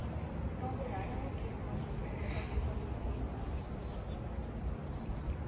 그런데 나향욱 기획관은 이 문제가 불거진 후에 해명을 했습니다